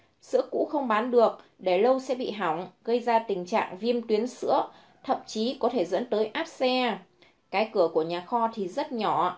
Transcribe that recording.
sữa cũ không bán được để lâu sẽ bị hỏng gây ra tình trạng viêm tuyến sữa thậm chí có thể dẫn tới áp xe cái cửa của nhà kho thì rất nhỏ